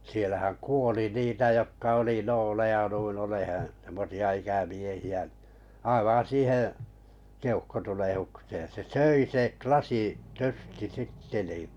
siellähän kuoli niitä jotka oli nooleja noin olemaan semmoisia ikämiehiä aivan siihen keuhkotulehdukseen se söi - lasityrsti sitten niin